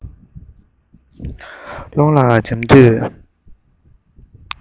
ཀློང ལ འབྱམས དུས